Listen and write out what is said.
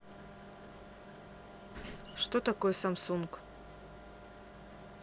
что такое samsung